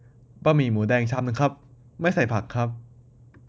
บะหมี่หมูแดงชามนึงครับไม่ใส่ผักครับ